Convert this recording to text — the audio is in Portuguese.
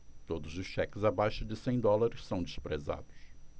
todos os cheques abaixo de cem dólares são desprezados